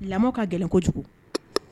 Lamɔ ka gɛlɛn kojugu